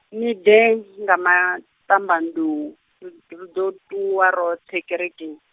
ni ḓe, nga maṱambanḓou, ri ri ḓo ṱuwa roṱhe kerekeni.